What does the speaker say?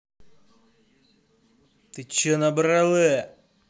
ты че набрала